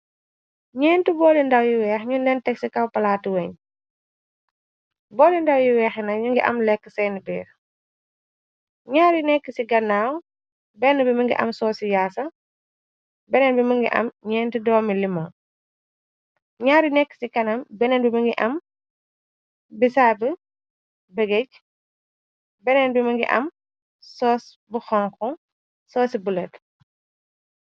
Nyeenti booli ndaw yu weex ñuñ leen teg ci kaw palaatu weñ. Booli ndaw yu weexi nak ñu ngi am lekk seyn biir. Nyaari nekk ci gannaaw benn bi më ngi am soo ci yaasa benneen bi mëngi am gñeenti doomi limog. Nyaari nekk ci kanam benneen bi më ngi am bi sayb begeej benneen bi mëngi am soos bu xanko soo ci bulet.